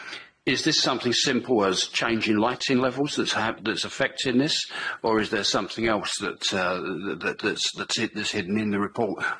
Is this something simple as changing lighting levels that's ha- that's effecting this, or is there something else that uh that that's that's hit- that's hidden in the report?